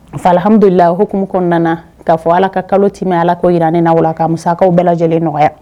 K'a fɔ alhamdu lilaahi o hukumu kɔnɔna la , k'a fɔ Allah ka kalo tiimɛ jira ne ni aw la , Allah ka musaga bɛɛ lajɛlen nɔgɔya.